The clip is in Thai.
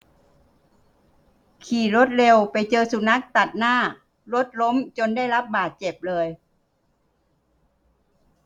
ขี่รถเร็วไปเจอสุนัขตัดหน้ารถล้มจนได้รับบาดเจ็บเลย